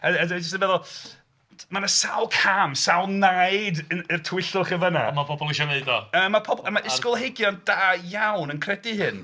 jyst yn meddwl, mae 'na sawl cam, sawl naid i'r tywyllwch yn fan'na... Mae pobl yn isio 'neud o... Yy mae pobl a mae ysgolheigion da iawn yn credu hyn.